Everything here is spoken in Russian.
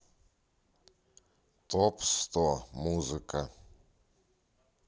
топ сто музыка